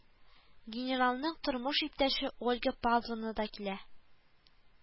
Генералның тормыш иптәше ольга павловна да килә